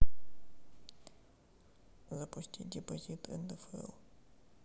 запусти депозит ндфл